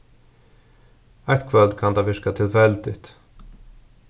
eitt kvøld kann tað virka tilfeldigt